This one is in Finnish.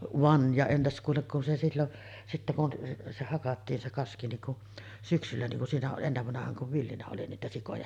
vaan ja entäs kuule kun se silloin sitten kun se hakattiin se kaski niin kun syksyllä niin kun siinä - ennen vanhaan kun villinä oli niitä sikoja